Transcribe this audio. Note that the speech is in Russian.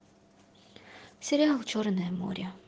сериал черное море